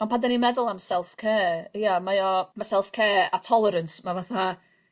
Ond pan 'dan ni'n meddwl am self care ia mae o ma' self care a tolerance ma' fatha